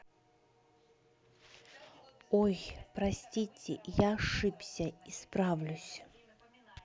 ой простите я ошибся исправлюсь